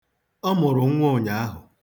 Ọ mụrụ nwa ụnyaahụ.